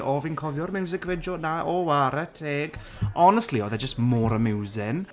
O fi'n cofio'r music video 'na, o ware teg honestly, oedd e jyst mor amusin'